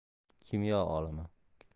kimyo olimi